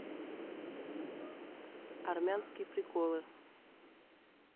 армянские приколы